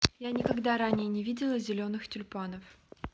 я никогда ранее не видела зеленых тюльпанов